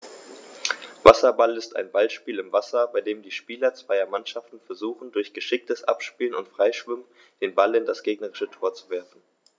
Wasserball ist ein Ballspiel im Wasser, bei dem die Spieler zweier Mannschaften versuchen, durch geschicktes Abspielen und Freischwimmen den Ball in das gegnerische Tor zu werfen.